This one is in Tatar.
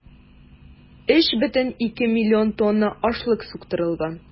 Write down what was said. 3,2 млн тонна ашлык суктырылган.